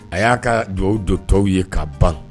A y'a ka dugaw dɔ tɔw ye ka ban